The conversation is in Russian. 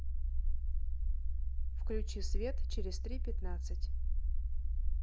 включи свет через три пятнадцать